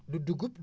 du dugub